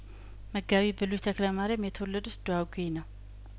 መጋቢ ብሉይተክለማሪያም የተወለዱት ዳጔ ነው